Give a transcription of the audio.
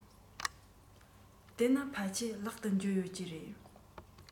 དེས ན ཕལ ཆེར ལག ཏུ འབྱོར ཡོད ཀྱི རེད